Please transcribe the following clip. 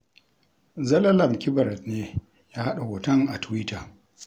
Zelalem Kiberet ne ya yaɗa hoton a Tuwita.